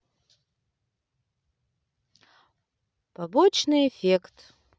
побочный эффект